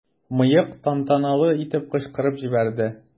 "мыек" тантаналы итеп кычкырып җибәрде.